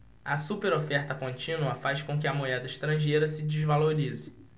a superoferta contínua faz com que a moeda estrangeira se desvalorize